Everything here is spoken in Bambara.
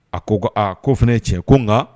A ko ko aa ko fana ye cɛ ko n nka